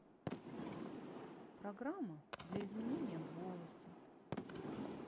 программа для изменения голоса